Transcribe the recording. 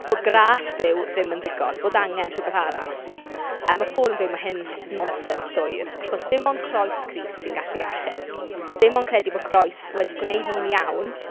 Bo' gras Duw ddim yn ddigon bod angen rhywbeth arall yy mae Paul yn dweud mae hyn yn nonsens llwyr achos dim ond croes Crist sy'n gallu achub dim ond credu bod croes wedi gwneud ni'n iawn.